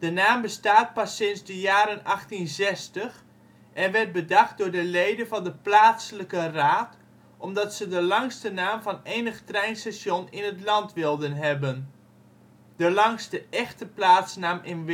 naam bestaat pas sinds de jaren 1860 en werd bedacht door de leden van plaatselijke raad omdat ze de langste naam van enig treinstation in het land wilden hebben; de langste echte plaatsnaam in